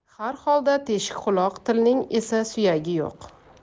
har holda teshik quloq tilning esa suyagi yo'q